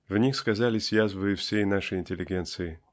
В ней сказались язвы всей нашей интеллигенции.